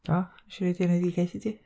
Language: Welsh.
Do. Wnes i roi genedigaeth i ti.